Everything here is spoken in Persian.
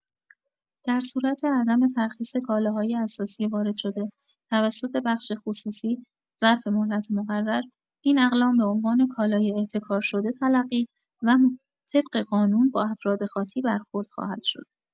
در صورت عدم ترخیص کالاهای اساسی وارد شده توسط بخش خصوصی ظرف مهلت مقرر، این اقلام به عنوان کالای احتکار شده تلقی و طبق قانون با افراد خاطی برخورد خواهد شد.